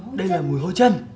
đây là mùi hôi chân